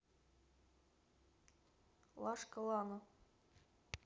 лашка лана